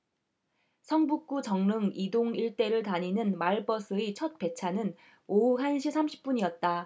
성북구 정릉 이 동 일대를 다니는 마을버스의 첫 배차는 오후 한 시 삼십 분이었다